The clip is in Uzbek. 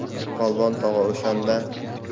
polvon tog'a o'shanda